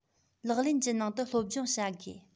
ལག ལེན གྱི ནང དུ སློབ སྦྱོང བྱ དགོས